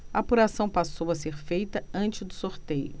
a apuração passou a ser feita antes do sorteio